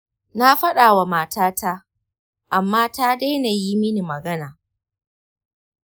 na faɗa wa matata amma ta daina yi mini magana.